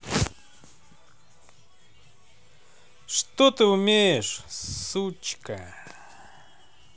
что ты умеешь сучка